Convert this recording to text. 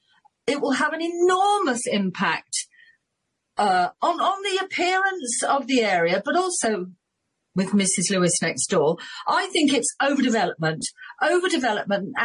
It will have an enormous impact, uh on on the appearance of the area but also with Mrs Lewis next door. I think it's over-development over-development and